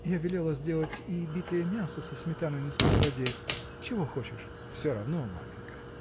Я велела сделать и битое мясо со сметаной на сковороде – чего хочешь? – Все равно, маменька.